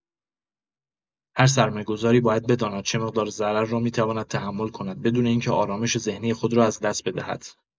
هر سرمایه‌گذاری باید بداند چه مقدار ضرر را می‌تواند تحمل کند بدون اینکه آرامش ذهنی خود را از دست بدهد.